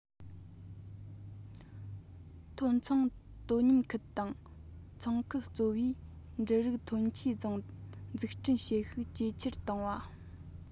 ཐོན འཚོང དོ མཉམ ཁུལ དང ཚོང ཁུལ གཙོ བོས འབྲུ རིགས ཐོན ཆེའི རྫོང འཛུགས སྐྲུན བྱེད ཤུགས ཇེ ཆེར གཏོང བ